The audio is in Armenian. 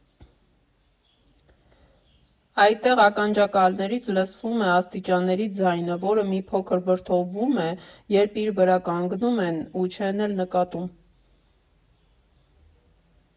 Այդտեղ ականջակալներից լսվում է աստիճանների ձայնը, որը մի փոքր վրդովվում է, երբ իր վրա կանգնում են ու չեն էլ նկատում։